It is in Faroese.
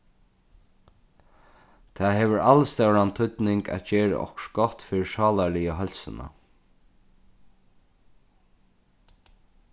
tað hevur alstóran týdning at gera okkurt gott fyri sálarligu heilsuna